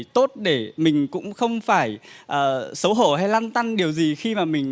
tốt để mình cũng không phải ở xấu hổ hay lăn tăn điều gì khi mà mình